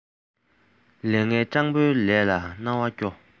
ལས ངན སྤྲང པོའི ལས ལ སྣང བ སྐྱོ